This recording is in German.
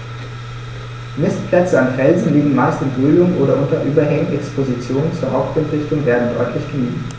Nistplätze an Felsen liegen meist in Höhlungen oder unter Überhängen, Expositionen zur Hauptwindrichtung werden deutlich gemieden.